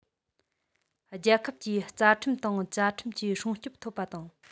རྒྱལ ཁབ ཀྱི རྩ ཁྲིམས དང བཅའ ཁྲིམས ཀྱི སྲུང སྐྱོབ ཐོབ པ དང